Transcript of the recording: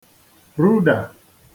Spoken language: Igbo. rudà